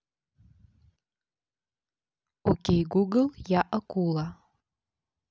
окей гугл я акула